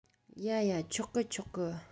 ཡ ཡ ཆོག གི ཆོག གི